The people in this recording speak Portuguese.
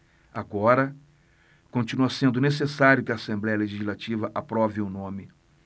agora continua sendo necessário que a assembléia legislativa aprove o nome